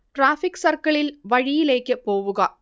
traffic സർക്കിളിൽ, വഴിയിലേക്ക് പോവുക